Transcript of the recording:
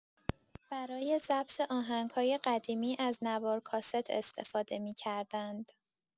برای ضبط آهنگ‌های قدیمی از نوار کاست استفاده می‌کردند.